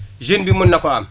jeune bi mën na koo am